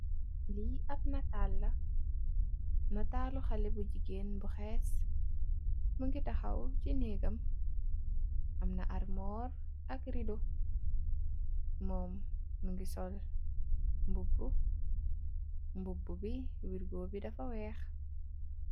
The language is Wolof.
Li ap nital la nitalu xalèh bu gigeen bu xees mugi taxaw ci nehgam am na almor ak redo mum mugii sol mbubu, mbubu bi wirgo bi dafa wèèx.